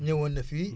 ñëwoon na fii